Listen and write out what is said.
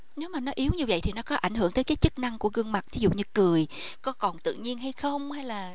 nếu mà yếu như vậy thì nó có ảnh hưởng tới các chức năng của gương mặt thí dụ như cười có còn tự nhiên hay không hay là